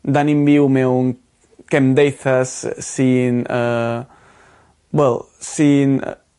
'Dan ni'n byw mewn gemdaithas sy'n yy wel sy'n yy